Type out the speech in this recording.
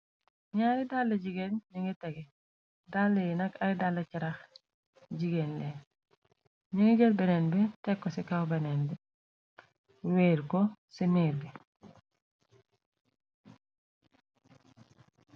ñaari dalle jigéen ñi ngi tege dall yi nag ay dalla ci raax jigéen lee ñi ngi jër benen bi tekko ci kaw benenbi wéér ko ci niir gi